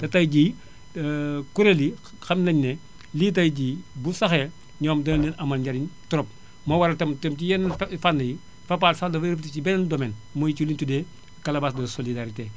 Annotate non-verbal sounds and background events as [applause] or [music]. te tey jii [hesitation] kuréel yi xam nañu ne lii tey jii bu saxee ñoom dina leen amal njariñ trop moo waral itam ci yenn [noise] fànn yi Fapal sax dafa yëngu ci beneen domaine muy ci li ñu tuddee calebasse de solidarité